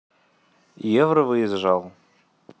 евро выезжал